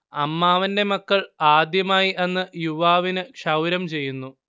അമ്മാവന്റെ മക്കൾ ആദ്യമായി അന്ന് യുവാവിന് ക്ഷൗരം ചെയ്യുന്നു